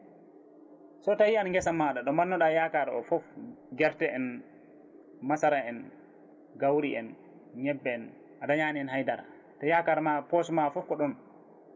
so tawi tan guesa ma ɗo mbannoɗa yaakar o foof guerte en masara en gawri en ñebbe ne a dañani hen haydara to yakarma poosma foof ko ɗon